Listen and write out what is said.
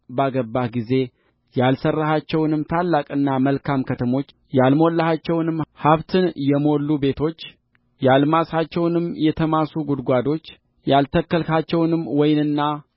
ባገባህ ጊዜ ያልሠራሃቸውንም ታላቅና መልካም ከተሞችያልሞላሃቸውንም ሀብትን የሞሉ ቤቶች ያልማስሃቸውንም የተማሱ ጕድጓዶች ያልተከልሃቸውንም ወይንና